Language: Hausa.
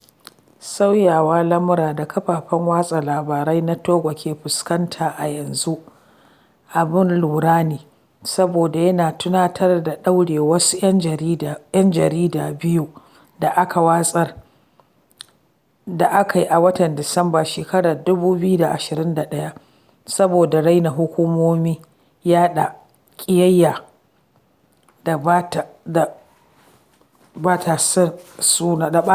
Sauyawar lamura da kafafen watsa labarai na Togo ke fuskanta a yanzu abin lura ne, saboda yana tunatar da daure wasu yan jaridu biyu da akai a watan Disambar shekarar 2021, saboda raina hukumomi, yaɗa kiyayya da ɓata suna.